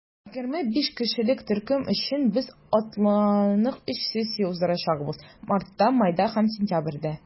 25 кешелек төркем өчен без атналык өч сессия уздырачакбыз - мартта, майда һәм сентябрьдә.